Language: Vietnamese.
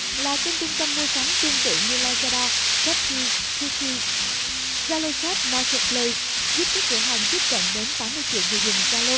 là kênh trung gian mua sắm tương tự như lazada shopee tiki zalo shop market place giúp các cửa hàng tiếp cận đến triệu người dùng zalo